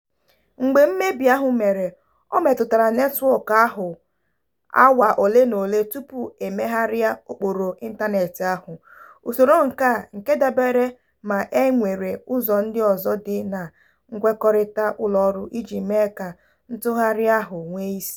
Mgbe mmebi ahụ mere, ọ metụtara netwọk ahụ awa ole na ole tupu e megharịa okporo ịntaneetị ahụ; Usoro nkà nke dabere ma e nwere ụzọ ndị ọzọ dị na nkwekọrịta ụlọọrụ iji mee ka ntụgharị ahụ nwee isi.